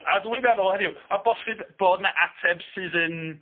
A dwi'n meddwl, hynny yw, o bosib bod 'na ateb sydd yn